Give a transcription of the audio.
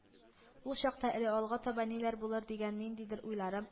Ул чакта әле алга таба ниләр булыр дигән ниндидер уйларым